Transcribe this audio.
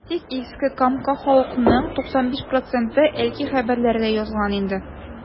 Әйтик, Иске Камка халкының 95 проценты “Әлки хәбәрләре”нә язылган инде.